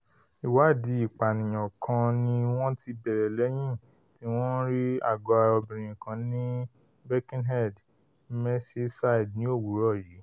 Ìwáàdí ìpànìyàn kan ni wọ́n ti bẹ̀rẹ̀ lẹ́yìn tí wọ́n rí àgọ́-ara obìnrin kaǹ ní Birkenhead, Merseyside ní òwúrọ̀ yìí.